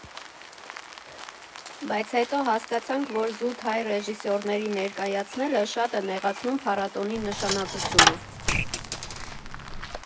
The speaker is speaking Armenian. Բայց հետո հասկացանք, որ զուտ հայ ռեժիսորներին ներկայացնելը շատ է նեղացնում փառատոնի նշանակությունը։